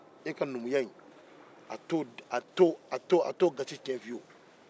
e ka numuya in a t'o a t'o a t'o gasi tiɲɛ fiyewu